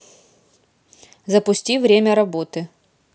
запусти время работы